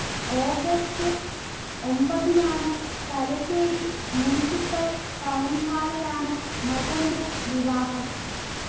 August ഒമ്പതിനാണ്, Thalassery municipal ടൗൺഹാളിലാണ് മകന്റെ വിവാഹം